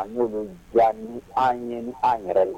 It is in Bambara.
An' bɛ ja ni an ɲɛ ni an yɛrɛ ye